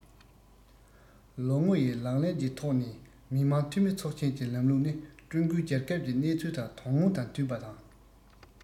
ལོ ངོ ཡི ལག ལེན གྱི ཐོག ནས མི དམངས འཐུས མི ཚོགས ཆེན གྱི ལམ ལུགས ནི ཀྲུང གོའི རྒྱལ ཁབ ཀྱི གནས ཚུལ དང དོན དངོས དང མཐུན པ དང